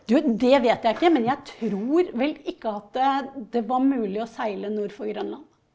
du, det vet jeg ikke, men jeg tror vel ikke at det var mulig å seile nord for Grønland.